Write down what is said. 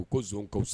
Ko zon ka wusu